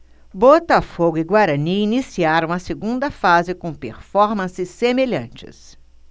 botafogo e guarani iniciaram a segunda fase com performances semelhantes